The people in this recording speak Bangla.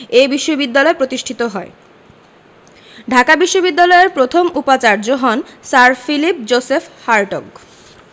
এ বিশ্ববিদ্যালয় প্রতিষ্ঠিত হয় ঢাকা বিশ্ববিদ্যালয়ের প্রথম উপাচার্য হন স্যার ফিলিপ জোসেফ হার্টগ